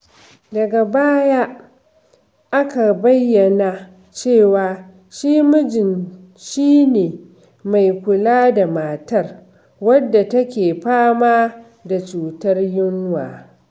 Daga baya aka bayyana cewa shi mijin shi ne mai kula da matar, wadda take fama da cutar mantuwa.